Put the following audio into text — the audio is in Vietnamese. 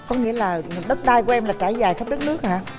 có nghĩa là đất đai của em là trải dài khắp đất nước hả